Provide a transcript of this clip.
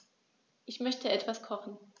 Ich möchte etwas kochen.